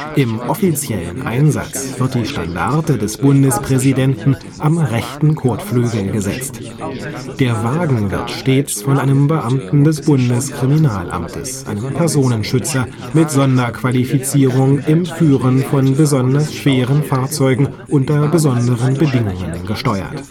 Im offiziellen Einsatz wird die Standarte des Bundespräsidenten am rechten Kotflügel gesetzt. Der Wagen wird stets von einem Beamten des Bundeskriminalamts (Personenschützer) mit Sonderqualifizierung im Führen von besonders schweren Fahrzeugen unter besonderen Bedingungen gesteuert